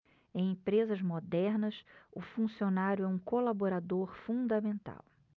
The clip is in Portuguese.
em empresas modernas o funcionário é um colaborador fundamental